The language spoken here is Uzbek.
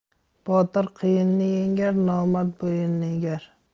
botir qiyinni yengar nomard bo'yinni egar